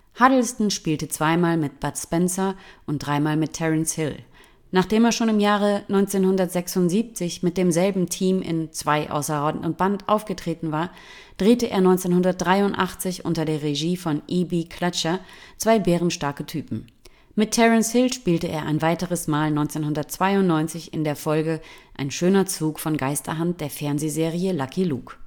Huddleston spielte zweimal mit Bud Spencer und dreimal mit Terence Hill: Nachdem er schon im Jahr 1976 mit demselben Team in Zwei außer Rand und Band aufgetreten war, drehte er 1983 unter der Regie von E.B. Clucher Zwei bärenstarke Typen. Mit Terence Hill spielte er ein weiteres Mal 1992 in der Folge Ein schöner Zug von Geisterhand der Fernsehserie Lucky Luke